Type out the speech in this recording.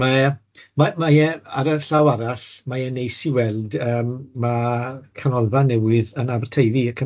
Ie, ma- mae e ar y llaw arall, mae e'n neis i weld yym ma' canolfan newydd yn Aberteifi y canolfan iechyd.